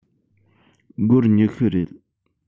སྒོར ཉི ཤུ རེད